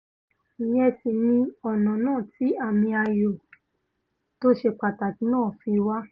Ìyẹn sì ni ọ̀nà náà tí àmì ayò tóṣe pàtàkì náà fi wá.